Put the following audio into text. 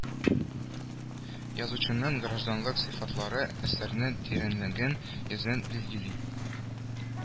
Язучының гражданлык сыйфатлары әсәрнең тирәнлеген, йөзен билгели